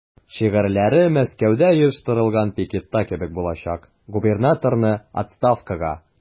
Шигарьләре Мәскәүдә оештырылган пикетта кебек булачак: "Губернаторны– отставкага!"